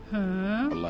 Hann !!!